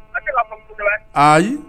Ayi